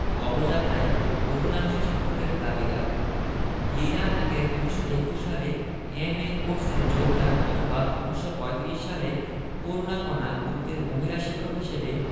অগ্রযাত্রায় বহুলাংশে সাফল্যের দাবিদার লীলা নাগের ১৯২১ সালে এম.এ কোর্সে যোগদান অথবা ১৯৩৫ সালে করুণাকণা গুপ্তের মহিলা শিক্ষক হিসেবে